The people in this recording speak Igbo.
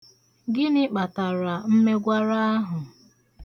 Gịnị kpatara mmegwara ahụ.